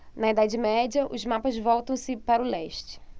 na idade média os mapas voltam-se para o leste